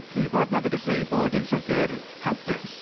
Chi'n gwybod, mae fe'n gallu bod yn llyfr hapus.